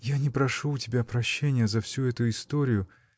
— Я не прошу у тебя прощения за всю эту историю.